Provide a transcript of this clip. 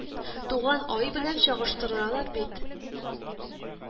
ТУГАН АЙ белән чагыштыралар бит